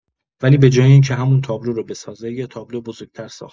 ولی به‌جای اینکه همون تابلو رو بسازه، یه تابلو بزرگ‌تر ساخت.